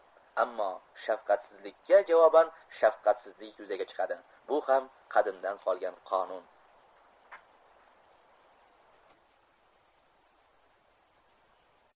ammo shafqatsizlikka javoban shafqatsizlik yuzaga chiqadi bu ham qadimdan qolgan qonun